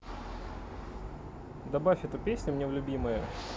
добавь эту песню мне в любимые